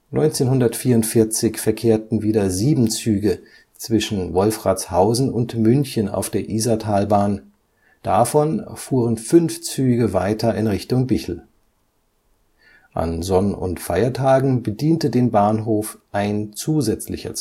1944 verkehrten wieder sieben Zügen zwischen Wolfratshausen und München auf der Isartalbahn, davon fuhren fünf Züge weiter in Richtung Bichl. An Sonn - und Feiertagen bediente den Bahnhof ein zusätzlicher